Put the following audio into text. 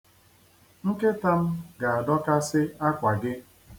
Nkịta m ga-adọkasị akwa gị.